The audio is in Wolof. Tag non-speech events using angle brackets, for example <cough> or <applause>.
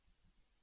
<hesitation> <hesitation>